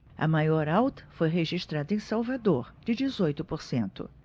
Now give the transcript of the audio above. a maior alta foi registrada em salvador de dezoito por cento